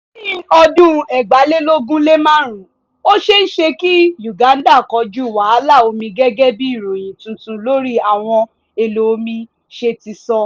Ní ọdún 2025, ó ṣeéṣe kí Uganda kojú wàhálà omi gẹ́gẹ́ bí ìròyìn tuntun lórí àwọn èlò omi ṣe ti sọ.